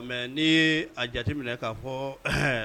Mais ni a jate minɛ k kaa fɔ ɛɛ